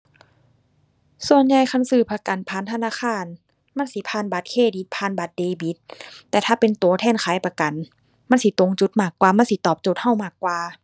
ส่วนใหญ่คันซื้อประกันผ่านธนาคาร มันสิผ่านบัตรเครดิต ผ่านบัตรเดบิต แต่ถ้าเป็นตัวแทนขายประกัน มันสิตรงจุดมากกว่า มันสิตอบโจทย์ตัวมากกว่า